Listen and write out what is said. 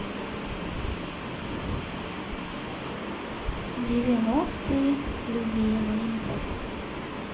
девяностые любимые